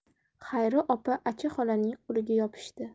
xayri opa acha xolaning qo'liga yopishdi